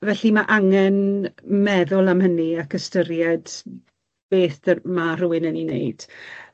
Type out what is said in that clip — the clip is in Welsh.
Felly, ma' angen meddwl am hynny ac ystyried beth dy- ma' rhywun yn 'i neud.